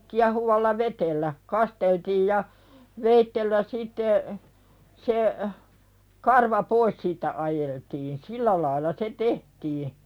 kiehuvalla vedellä kasteltiin ja veitsellä sitten se karva pois siitä ajeltiin sillä lailla se tehtiin